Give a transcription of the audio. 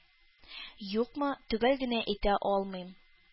Юкмы, төгәл генә әйтә алмыйм.